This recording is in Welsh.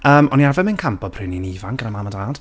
Yym o'n i arfer mynd campo pryd o'n i'n ifanc gyda mam a dad.